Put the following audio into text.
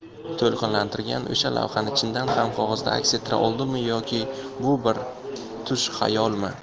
to'lqinlantirgan o'sha lavhani chindan ham qog'ozda aks ettira oldimmi yoki bu bir tush xayolmi